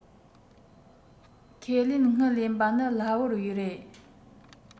ཁས ལེན དངུལ ལེན པ ནི སླ བོར རེད